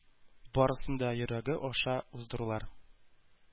Барысын да йөрәге аша уздырулар…